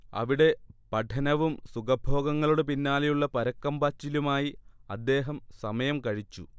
അവിടെ പഠനവും സുഖഭോഗങ്ങളുടെ പിന്നാലെയുള്ള പരക്കം പാച്ചിലുമായി അദ്ദേഹം സമയം കഴിച്ചു